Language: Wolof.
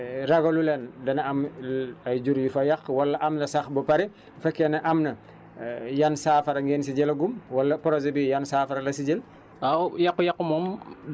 ndax fi ngeen ji ragalulen dana am ay jur yu fay yàq wala am na sax ba pare bu fekkee ne am na yan saafara ngeen si jëlagum wala projet bi yan saafara la si jël